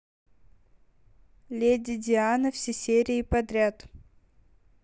леди диана все серии подряд